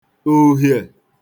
ùhiè